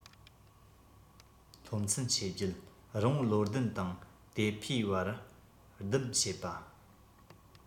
སློབ ཚན ཞེ བརྒྱད རི བོང བློ ལྡན དང དེ ཕོས བར སྡུམ བྱེད པ